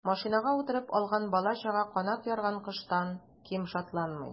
Машинага утырып алган бала-чага канат ярган коштан ким шатланмый.